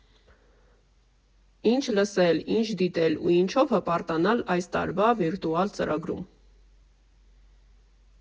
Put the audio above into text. Ինչ լսել, ինչ դիտել ու ինչով հպարտանալ այս տարվա վիրտուալ ծրագրում։